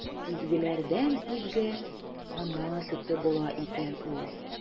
Изгеләрдән изге – ана сөте була икән ул!